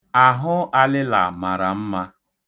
Ahụ alịla mara mma.